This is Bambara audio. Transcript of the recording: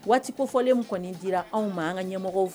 Waati ko fɔlen kɔniɔni dira anw ma an ka ɲɛmɔgɔ fɛ